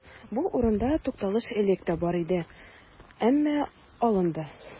Бу урында тукталыш элек тә бар иде, әмма алынды.